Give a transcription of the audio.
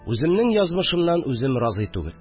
Үземнең язмышымнан үзем разый түгел